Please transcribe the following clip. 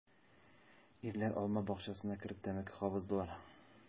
Ирләр алма бакчасына кереп тәмәке кабыздылар.